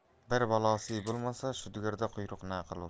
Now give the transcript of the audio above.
bir balosi bo'lmasa shudgorda quyruq na qilur